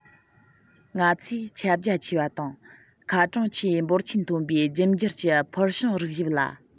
ང ཚོས ཁྱབ རྒྱ ཆེ བ དང ཁ གྲངས ཆེས འབོར ཆེན ཐོན པའི རྒྱུད འགྱུར གྱི ཕུལ བྱུང རིགས དབྱིབས ལ